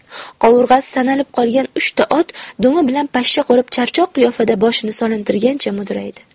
qovurg'asi sanalib qolgan uchta ot dumi bilan pashsha qo'rib charchoq qiyofada boshini solintirgancha mudraydi